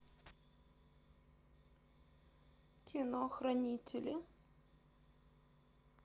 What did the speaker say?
кино хранители